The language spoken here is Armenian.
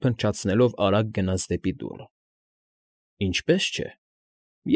Փնչացնելով արագ գնաց դեպի դուռը։ Ինչպե՜ս չէ։